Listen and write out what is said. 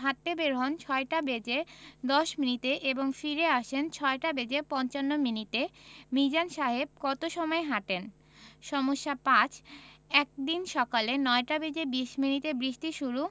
হাঁটতে বের হন ৬টা বেজে ১০ মিনিটে এবং ফিরে আসেন ৬টা বেজে পঞ্চান্ন মিনিটে মিজান সাহেব কত সময় হাঁটেন সমস্যা ৫ একদিন সকালে ৯টা বেজে ২০ মিনিটে বৃষ্টি শুরু